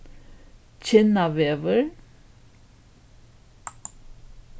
kinnavegur